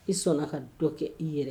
I sɔn na ka dɔ kɛ i yɛrɛ